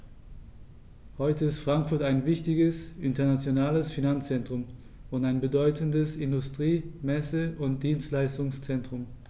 Heute ist Frankfurt ein wichtiges, internationales Finanzzentrum und ein bedeutendes Industrie-, Messe- und Dienstleistungszentrum.